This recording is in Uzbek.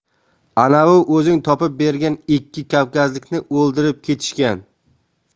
anavi o'zing topib bergan ikki kavkazlikni o'ldirib ketishgan